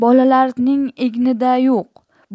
bolalarning egnida yo'q